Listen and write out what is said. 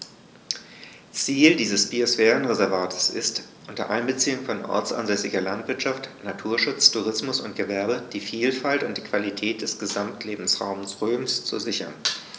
Ziel dieses Biosphärenreservates ist, unter Einbeziehung von ortsansässiger Landwirtschaft, Naturschutz, Tourismus und Gewerbe die Vielfalt und die Qualität des Gesamtlebensraumes Rhön zu sichern.